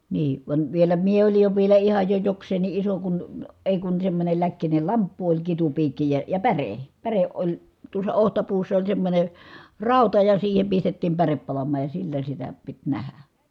niin vaan vielä minä olin jo vielä ihan jo jokseenkin iso kun ei kun semmoinen läkkinen lamppu oli kitupiikki ja ja päre päre oli tuossa otsapuussa oli semmoinen rauta ja siihen pistettiin päre palamaan ja sillä sitä piti nähdä